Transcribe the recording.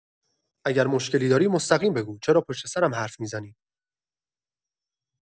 اگر مشکلی داری، مستقیم بگو، چرا پشت سرم حرف می‌زنی؟